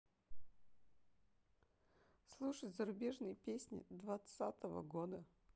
слушать зарубежные песни двадцатого года